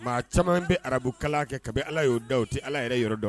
Maa caman bɛ arabukalan kɛ, kabini Ala y'u da u tɛ Ala yɛrɛ yɔrɔ dɔn.